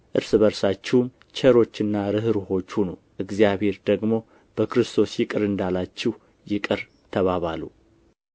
እርስ በርሳችሁም ቸሮችና ርኅሩኆች ሁኑ እግዚአብሔርም ደግሞ በክርስቶስ ይቅር እንዳላችሁ ይቅር ተባባሉ